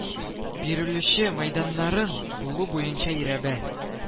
Бирелүче мәйданнарын бүлү буенча ирәбә